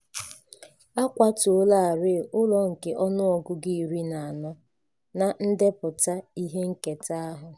A kwatuolarịị ụlọ nke ọnụọgụgụ 14 na ndepụta ihe nketa ahụ.